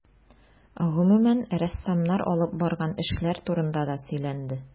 Гомүмән, рәссамнар алып барган эшләр турында да сөйләнде.